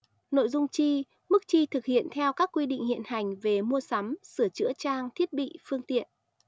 nội dung chi mức chi thực hiện theo các quy định hiện hành về mua sắm sửa chữa trang thiết bị phương tiện